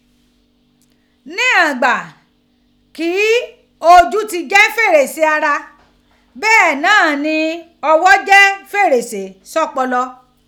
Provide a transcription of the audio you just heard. Níghan ìgbà kí ojú ti jẹ́ fèrèsé ara, bẹ́ẹ̀ náà ni ọghọ́ jẹ́ fèrèsé sí ọpọlọ.